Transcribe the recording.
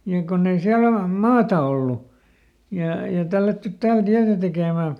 ja kun ei siellä - maata ollut ja ja tällätty täällä tietä tekemään